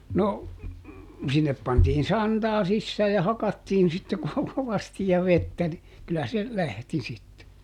no sinne pantiin santaa sisään ja hakattiin sitten - kovasti ja vettä niin kyllä se lähti sitten